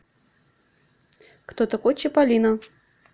кто такой чиполлино